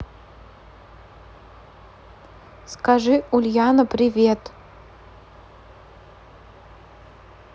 скажи ульяна привет